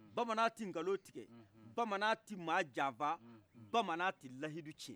bamanan ti kalo tikɛ bamanan ti ma janfa bamanan ti lahidu ciyen